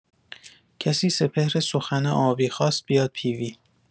کسی سپهر سخن آبی خواست بیاد پی وی